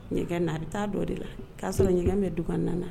Ɲɛgɛn na a bɛ taa dɔ de la k'a sɔrɔ ɲagɛn bɛ du nana na